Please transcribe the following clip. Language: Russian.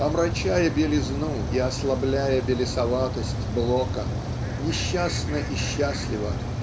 омрачая белизну и ослабляя белесоватость Блока несчастно и счастливо